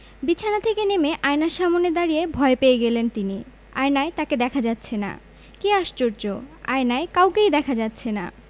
বিছানা থেকে নেমে আয়নার সামনে দাঁড়িয়ে ভয় পেয়ে গেলেন তিনি আয়নায় তাঁকে দেখা যাচ্ছে না কী আশ্চর্য আয়নায় কাউকেই দেখা যাচ্ছে না